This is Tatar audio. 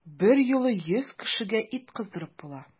Берьюлы йөз кешегә ит кыздырып була!